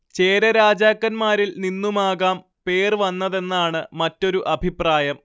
ചേര രാജാക്കന്മാരിൽ നിന്നുമാകാം പേർ വന്നതെന്നാണ് മറ്റൊരു അഭിപ്രായം